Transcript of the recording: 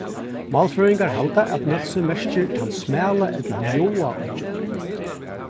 málfrøðingar halda at nólsoy merkir tann smala ella mjáa oyggin